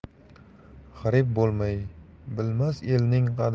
g'arib bo'lmay bilmas elning qadrini